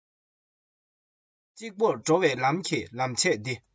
ཁྱོད རང ཁྱོད རའི བསམ བློ ཁྱོད རས ཐོངས